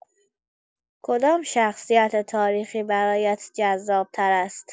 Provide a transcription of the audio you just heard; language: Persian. کدام شخصیت تاریخی برایت جذاب‌تر است؟